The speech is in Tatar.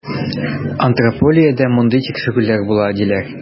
Антропологиядә мондый тикшерүләр була, диләр.